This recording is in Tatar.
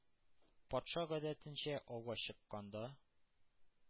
Патша, гадәтенчә, ауга чыкканда